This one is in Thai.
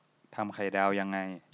ทำไข่ดาวยังไง